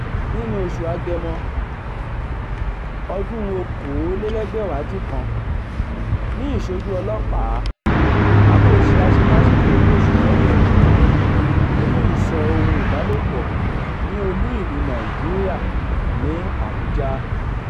Nínú oṣù Agẹmọ 2019, ní ìṣojú ọlọ́pàá, Abbo ṣe àṣemáṣe pẹ̀lú òṣìṣẹ́bìnrin kan nínú ìsọ̀ ohun ìbálòpọ̀ ní olú-ìlú Nàìjíríà ní Abuja.